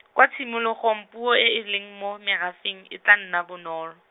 kwa tshimologong puo e e leng mo merafeng e tla nna bonolo.